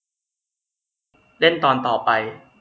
เล่นตอนต่อไป